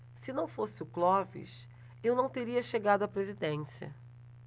se não fosse o clóvis eu não teria chegado à presidência